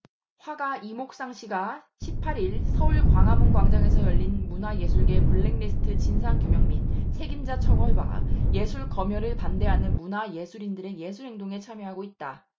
화가 임옥상씨가 십 팔 일 서울 광화문광장에서 열린 문화예술계 블랙리스트 진상규명 및 책임자 처벌과 예술검열을 반대하는 문화예술인들의 예술행동에 참여하고 있다